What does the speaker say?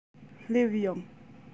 སླེབས ཡོང